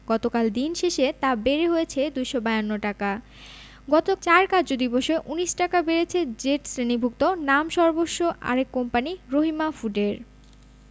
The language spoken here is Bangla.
গতকাল দিন শেষে তা বেড়ে হয়েছে ২৫২ টাকা গত ৪ কার্যদিবসে ১৯ টাকা বেড়েছে জেড শ্রেণিভুক্ত নামসর্বস্ব আরেক কোম্পানি রহিমা ফুডের